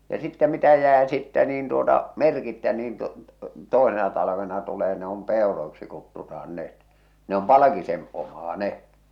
ja sitten mitä jää sitten niin tuota merkittä niin - toisena talvena tulee ne on peuroiksi kutsutaan ne ne on palkisen omaa ne